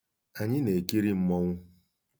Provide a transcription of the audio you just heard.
Anyị na-ekiri mmọnwụ.